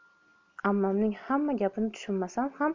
ammamning hamma gapini tushunmasam ham